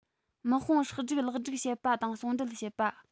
དམག དཔུང ཧྲག སྒྲུག ལེགས སྒྲིག བྱེད པ དང ཟུང འབྲེལ བྱེད པ